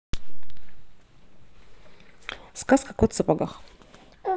сказка кот в сапогах